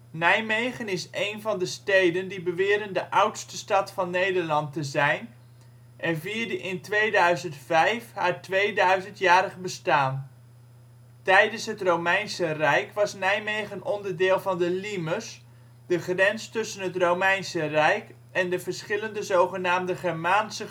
Nijmegen is een van de steden die beweren de oudste stad van Nederland te zijn en vierde in 2005 haar 2000-jarig bestaan. Tijdens het Romeinse Rijk was Nijmegen onderdeel van de Limes, de grens tussen het Romeinse Rijk en de verschillende zogenaamde Germaanse